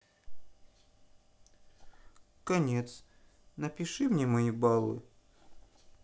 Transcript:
конец напиши мне мои баллы